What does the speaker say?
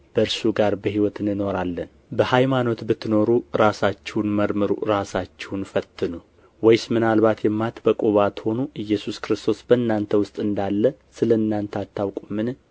ከእርሱ ጋር በሕይወት እንኖራለን በሃይማኖት ብትኖሩ ራሳችሁን መርምሩ ራሳችሁን ፈትኑ ወይስ ምናልባት የማትበቁ ባትሆኑ ኢየሱስ ክርስቶስ በእናንተ ውስጥ እንዳለ ስለ እናንተ አታውቁምን